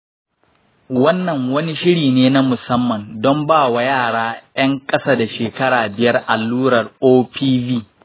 wannan wani shiri ne na musamman don ba wa yara 'yan ƙasa da shekara biyar allurar opv.